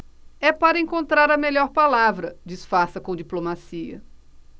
é para encontrar a melhor palavra disfarça com diplomacia